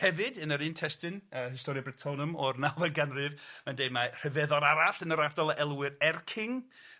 Hefyd yn yr un testun yy Historia Brittonum o'r nawfed ganrif, mae'n deud mai rhyfeddor arall yn yr ardal a elwir Ercing